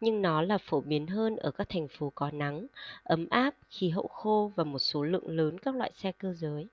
nhưng nó là phổ biến hơn ở các thành phố có nắng ấm áp khí hậu khô và một số lượng lớn các loại xe cơ giới